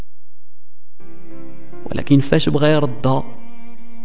ولكن تغير الضغط